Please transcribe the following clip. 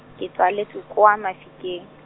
ke tsaletswe kwa Mafikeng.